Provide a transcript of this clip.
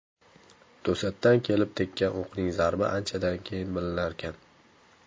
to'satdan kelib tekkan o'qning zarbi anchadan keyin bilinarkan